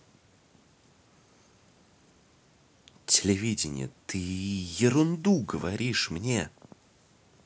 телевидение ты ерунду говоришь мне